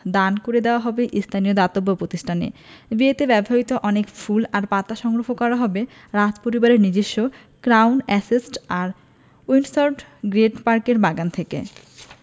দান করে দেওয়া হবে স্থানীয় দাতব্য প্রতিষ্ঠানে বিয়েতে ব্যবহৃত অনেক ফুল আর পাতা সংগ্রহ করা হবে রাজপরিবারের নিজস্ব ক্রাউন এস্টেট আর উইন্ডসর গ্রেট পার্কের বাগান থেকে